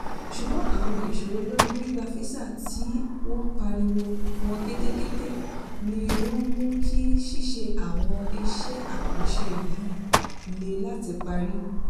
Ṣùgbọ́n àwọn ìṣòro lórí gbígba fíṣa tí wọ́n pariwo wọn ketekete ni wọ́n mú kí ṣíṣe àwọn iṣẹ́ àkànṣe wọ̀nyìí le láti parí.